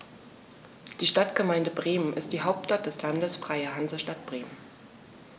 Die Stadtgemeinde Bremen ist die Hauptstadt des Landes Freie Hansestadt Bremen.